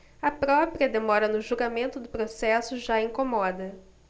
a própria demora no julgamento do processo já incomoda